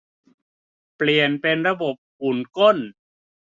เปลี่ยนเป็นระบบอุ่นก้น